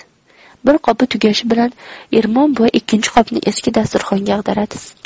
bir qopi tugashi bilan ermon buva ikkinchi qopni eski dasturxonga ag'daradi